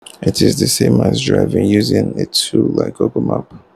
It’s the same as driving using a tool like Google Maps.